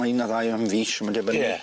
Ma' un ne' ddau am fish ma'n dibynnu. Ie.